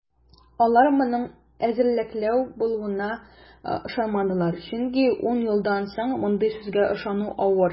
Алар моның эзәрлекләү булуына ышанмадылар, чөнки ун елдан соң мондый сүзгә ышану авыр.